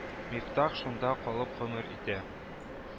Мифтах шунда калып гомер итә